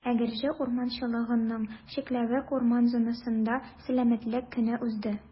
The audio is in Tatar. Әгерҗе урманчылыгының «Чикләвек» урман зонасында Сәламәтлек көне узды.